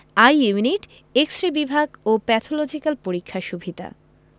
I unit X ray বিভাগ এবং pathological পরীক্ষার সুবিধা